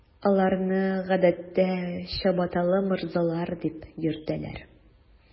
Аларны, гадәттә, “чабаталы морзалар” дип йөртәләр.